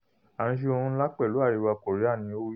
'À ń ṣe ohun ńlá pẹ̀lú Àriwá Kòríà,'' ní o wí.